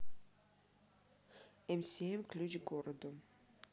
mcm ключ городу